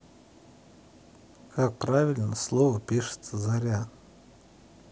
как правильно слово пишется заря